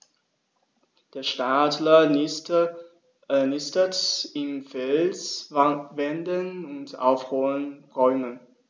Der Steinadler nistet in Felswänden und auf hohen Bäumen.